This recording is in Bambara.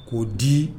K'o di